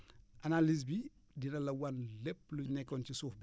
analyse bi dina la wan lépp li nekkoon si suuf bi